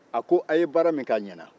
a ko a' ye baara min kɛ a ɲana